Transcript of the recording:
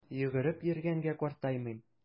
Йөгереп йөргәнгә картаймыйм!